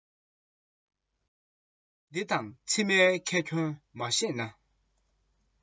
འདི དང ཕྱི མའི ཁེ གྱོང མ ཤེས ན